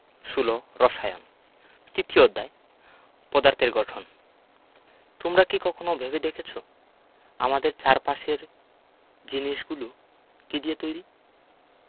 ১৬ রসায়ন তিতীয় অধ্যায় পদার্থের গঠন তোমরা কি কখনো ভেবে দেখেছ আমাদের চারপাশের জিনিসগুলো কী দিয়ে তৈরি